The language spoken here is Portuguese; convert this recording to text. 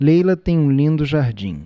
leila tem um lindo jardim